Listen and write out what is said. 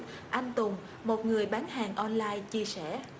anh tùng một người bán hàng on lai chia sẻ